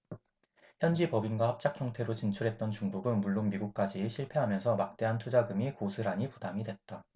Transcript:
현지법인과 합작형태로 진출했던 중국은 물론 미국까지 실패하면서 막대한 투자금이 고스란히 부담이 됐다